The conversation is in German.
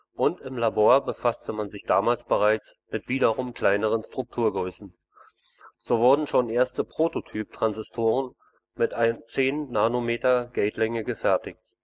und im Labor befasste man sich damals bereits mit wiederum kleineren Strukturgrößen. So wurden schon erste Prototyp-Transistoren mit 10 nm Gatelänge gefertigt